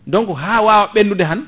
donc ha wawa ɓendude han